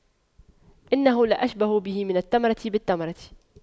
إنه لأشبه به من التمرة بالتمرة